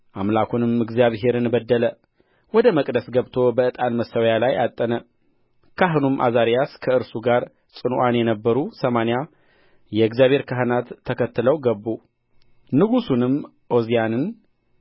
አምላኩንም እግዚአብሔርን በደለ ወደ መቅደስ ገብቶ በዕጣን መሠዊያ ላይ ዐጠነ ካህኑም ዓዛርያስ ከእርሱም ጋር ጽኑዓን የነበሩ ሰማንያ የእግዚአብሔር ካህናት ተከትለው ገቡ ንጉሡንም ዖዝያንን